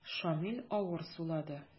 Шамил авыр сулады.